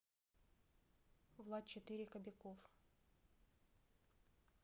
влад четыре кобяков